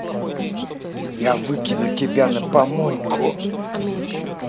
я выкину тебя на помойку